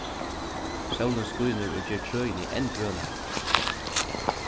sólin skínur og ger trøini enn grønari